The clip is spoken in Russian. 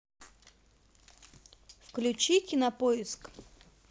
включи кинопоиск